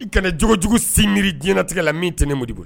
I kan jogojugu si miiri diɲɛnatigɛ la min tɛ ne Modibo la!